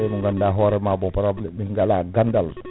ɓe ɓe ganduɗa hoorema * min gala gandal